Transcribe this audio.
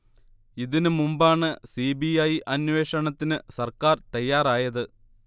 ഇതിന് മുമ്പാണ് C B I അന്വേഷണത്തിന് സർക്കാർ തയ്യാറായത്